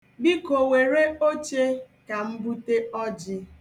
Biko, were oche ka m bute ọjị